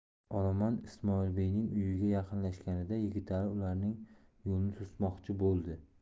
olomon ismoilbeyning uyiga yaqinlashganida yigitali ularning yo'lini to'smoqchi bo'ldi